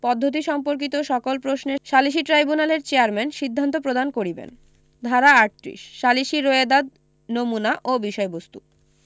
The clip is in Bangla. পদ্ধতি সম্পর্কিত সকল প্রশ্নের সালিসী ট্রাইব্যুনালের চেয়ারম্যান সিদ্ধান্ত প্রদান করিবেন ধারা ৩৮ সালিসী রোয়েদাদ নমুনা ও বিষয়বস্তু